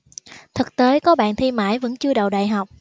thực tế có bạn thi mãi vẫn chưa đậu đại học